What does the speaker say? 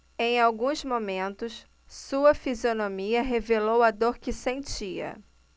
em alguns momentos sua fisionomia revelou a dor que sentia